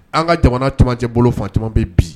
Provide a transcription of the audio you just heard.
An ka jamana cɛmancɛ bolo fan caaman bɛ bi